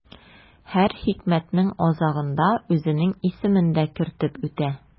Һәр хикмәтнең азагында үзенең исемен дә кертеп үтә.